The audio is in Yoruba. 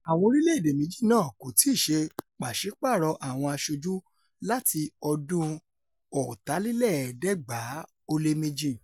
Àwọn orílẹ̀-èdè méjì náà kò tíì ṣe pàsípààrọ̀ àwọn aṣoju láti ọdún 1962.